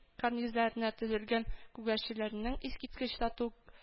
Кәрнизләренә тезелгән күгәрченнәрнең искиткеч тату